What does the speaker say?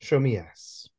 Show me yes.